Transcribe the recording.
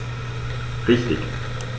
Richtig